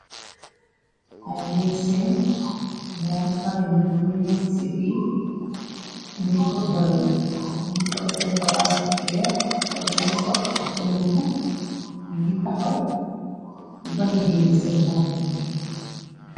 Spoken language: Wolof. jaagee seen ñaari kalen gunuy nekk ci fiir ñuy fut bolle la mingi sol seen kawaas bu weex sol seen sot ak seen bu bux yundi taxaw bu baña geenee seen bopp i